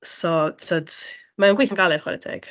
So, timod mae o'n gweithio'n galed chwarae teg.